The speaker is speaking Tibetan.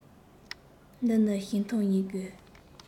འདི ནི ཞིང ཐང ཡིན དགོས